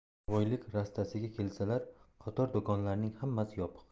novvoylik rastasiga kelsalar qator do'konlarning hammasi yopiq